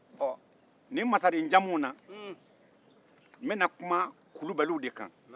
ɔ nin masarenjamuw na n bɛna kuma kulubaliw de kan